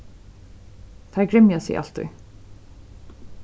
teir gremja seg altíð